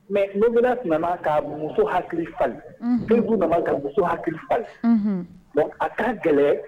Mais Novelas nana ka muso hakili falen. Unhun. Facebook nana ka muso hakili falen. Unhun. Bon a ka gɛlɛn